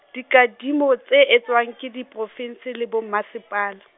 dikadimo tse etswang ke diprovinse le bo Mmasepala.